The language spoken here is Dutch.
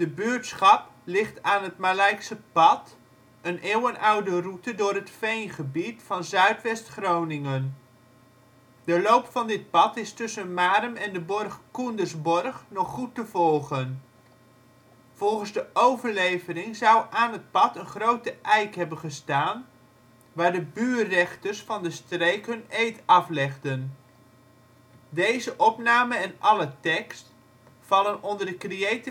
buurtschap ligt aan het Malijkse pad, een eeuwenoude route door het veengebied van zuidwest Groningen. De loop van dit pad is tussen Marum en de borg Coendersborg nog goed te volgen. Volgens de overlevering zou aan het pad een grote eik hebben gestaan waar de buurrechters van de streek hun eed aflegden. Plaatsen in de gemeente Marum Dorpen: Boerakker · De Wilp · Jonkersvaart · Lucaswolde · Marum · Niebert · Noordwijk · Nuis Buurtschappen: Bakkerom (deels) · Balktil · De Haar · Hamrik · De Jammer · Keuningswijk · De Linde ·' t Malijk · Trimunt · Willemstad · Zethuis Groningen: Steden en dorpen Nederland: Provincies · Gemeenten 53° 8 ' NB 6° 17